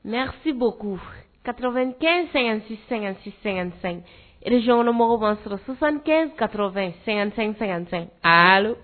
Mais sibo kou ka2- kɛ- sɛgɛn-sɛ-sɛsɛrezsonyɔnkɔnɔmɔgɔw ma sɔrɔ sisansan kɛ kafɛn sɛgɛn sɛgɛnsɛn hali